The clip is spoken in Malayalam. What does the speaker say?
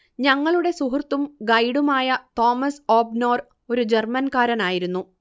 ഞങ്ങളുടെ സുഹൃത്തും ഗൈഡുമായ തോമസ് ഓബ്നോർ ഒരു ജർമൻകാരനായിരുന്നു